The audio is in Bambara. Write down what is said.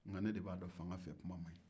nka ne de b'a dɔn fanga fɛ kuma ma ɲin